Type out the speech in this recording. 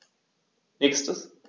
Nächstes.